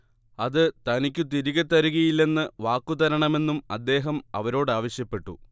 അത് തനിക്കു തിരികെ തരുകയില്ലെന്ന് വാക്കുതരണമെന്നും അദ്ദേഹം അവരോടാവശ്യപ്പെട്ടു